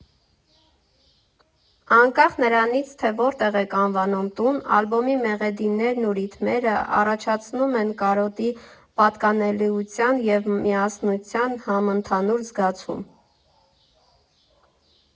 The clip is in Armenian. Անկախ նրանից, թե որտեղ եք անվանում տուն, ալբոմի մեղեդիներն ու ռիթմերը առաջացնում են կարոտի, պատկանելության և միասնության համընդհանուր զգացում։